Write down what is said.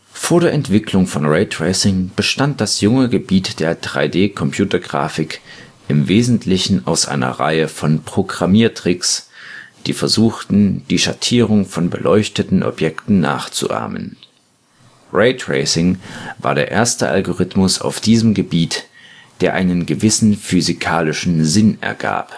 Vor der Entwicklung von Raytracing bestand das junge Gebiet der 3D-Computergrafik im Wesentlichen aus einer Reihe von „ Programmiertricks “, die versuchten, die Schattierung von beleuchteten Objekten nachzuahmen. Raytracing war der erste Algorithmus auf diesem Gebiet, der einen gewissen physikalischen Sinn ergab